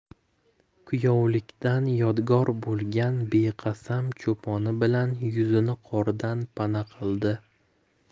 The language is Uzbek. kuyovlikdan yodgor bo'lgan beqasam choponi bilan yuzini qordan pana qildi